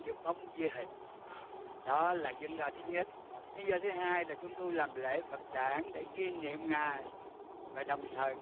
như bóng với hình đó là lý do thứ nhất lý do thứ hai là chúng tôi làm lễ phật đản để kiêm nhiệm ngài và đồng thời